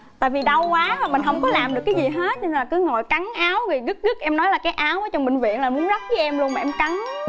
tại vì đau quá mình hỏng có làm được cái gì hết nên là cứ ngồi cắn áo rồi dứt dứt em nói là cái áo trong bệnh viện là muốn lắp cho em luôn và em cắn